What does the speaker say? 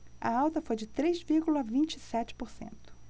a alta foi de três vírgula vinte e sete por cento